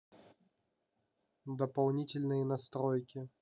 дополнительные настройки